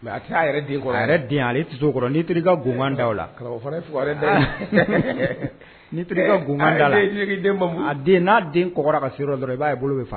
N'a den ka i b'a bolo